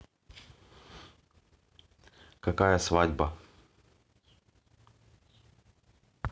какая свадьба